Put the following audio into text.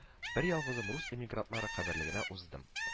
Берьялгызым рус эмигрантлары каберлегенә уздым